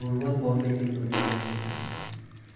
murvat borligini bilmagan ekanman